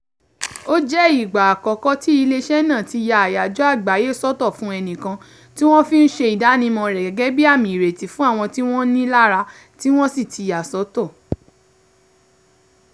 Ó jẹ́ ìgbà àkọ́kọ́ tí ilé iṣẹ́ náà ti ya àyájọ́ àgbáyé sọ́tọ̀ fún ẹnìkan, tí wọ́n fi ń ṣe ìdánimọ̀ rẹ̀ gẹ́gẹ́ bí àmì ìrètí fún àwọn tí wọ́n ń ni lára tí wọ́n sì ti yà sọ́tọ̀.